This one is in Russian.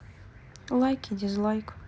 лайк и дизлайк